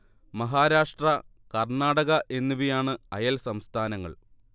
മഹാരാഷ്ട്ര കർണ്ണാടക എന്നിവയാണ് അയൽ സംസ്ഥാനങ്ങൾ